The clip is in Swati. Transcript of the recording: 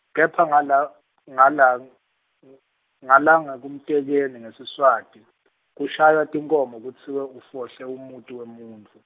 kepha ngala, ngala ng-, ngala ngekumtekeni nge Siswati, kushaywa tinkhomo kutsiwe ufohle umuti wemuntfu.